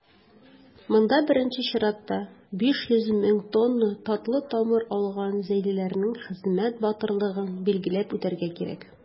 Монда, беренче чиратта, 500 мең тонна татлы тамыр алган зәйлеләрнең хезмәт батырлыгын билгеләп үтәргә кирәк.